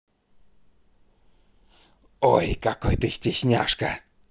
ой какой ты стесняшка